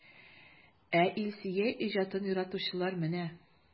Ә Илсөя иҗатын яратучылар менә!